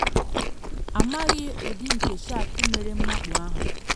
Amaghị ụdị nke shark mere mmakpu ahụ.